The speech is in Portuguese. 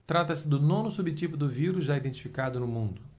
trata-se do nono subtipo do vírus já identificado no mundo